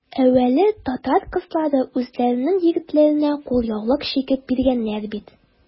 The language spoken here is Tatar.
Әүвәле татар кызлары үзләренең егетләренә кулъяулык чигеп биргәннәр бит.